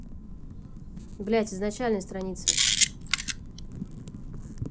блядь изначальная страница